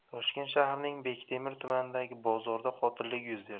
toshkent shahrining bektemir tumanidagi bozorda qotillik yuz berdi